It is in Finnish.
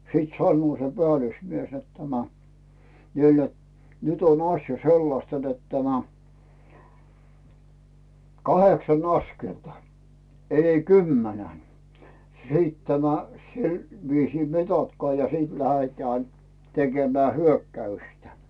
sitten sanoo se päällysmies että tämä niille että nyt on asia sellaista että tämä kahdeksan askelta ei kymmenen sitten tämä sillä viisiin mitatkaa ja sitten lähdetään tekemään hyökkäystä